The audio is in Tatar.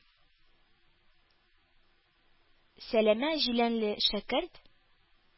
Сәләмә җиләнле шәкерт,